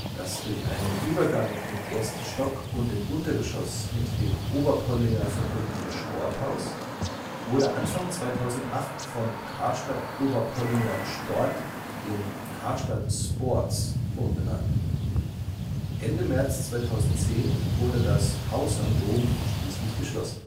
Das durch einen Übergang im ersten Stock und im Untergeschoss mit dem „ Oberpollinger “verbundene Sporthaus wurde Anfang 2008 von „ Karstadt Oberpollinger Sport “in „ Karstadt sports “umbenannt. Ende März 2010 wurde das „ Haus am Dom “schließlich geschlossen